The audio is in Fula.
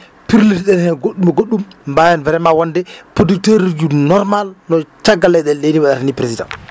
pirlitoɗen hen goɗɗum goɗɗum mbawen vraiment wonde producteur uji normal no caggal leyɗeleɗe wayatani président